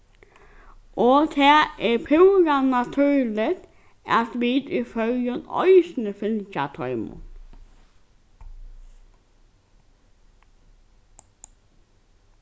og tað er púra natúrligt at vit í føroyum eisini fylgja teimum